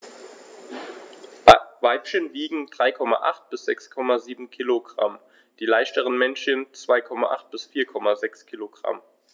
Weibchen wiegen 3,8 bis 6,7 kg, die leichteren Männchen 2,8 bis 4,6 kg.